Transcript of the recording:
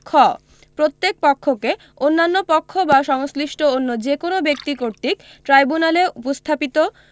খ প্রত্যেক পক্ষকে অন্যান্য পক্ষ বা সংশ্লিষ্ট অন্য যে কোন ব্যক্তি কর্তৃক ট্রাইব্যুনালে উপস্থাপিত